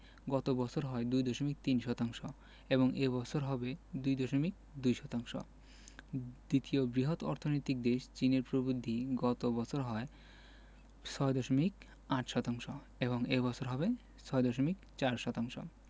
গত বছর হয় ২.৩ শতাংশ এবং এ বছর হবে ২.২ শতাংশ দ্বিতীয় বৃহৎ অর্থনৈতিক দেশ চীনের প্রবৃদ্ধি গত বছর হয় ৬.৮ শতাংশ এবং এ বছর হবে ৬.৪ শতাংশ